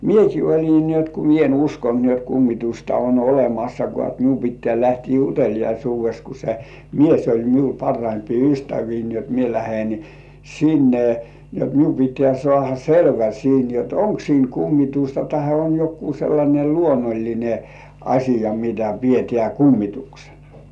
minäkin olin niin jotta kun minä en uskonut niin jotta kummitusta on olemassakaan että minun pitää lähteä uteliaisuudessa kun se mies oli minun parhaimpia ystäviä niin jotta minä lähden sinne niin jotta minun pitää saada selvä siinä jotta onko siinä kummitusta tai on joku sellainen luonnollinen asia mitä pidetään kummituksena